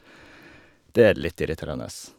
Det er litt irriterende.